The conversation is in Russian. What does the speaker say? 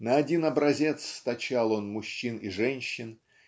на один образец стачал он мужчин и женщин